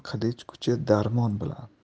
qilich kuchi darmon bilan